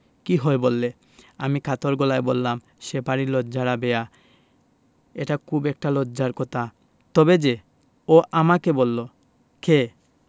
কি হয় বললে আমি কাতর গলায় বললাম সে ভারী লজ্জা রাবেয়া এটা খুব একটা লজ্জার কথা তবে যে ও আমাকে বললো কে